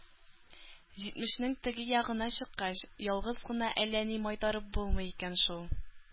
Җитмешнең теге ягына чыккач, ялгыз гына әллә ни майтарып булмый икән шул.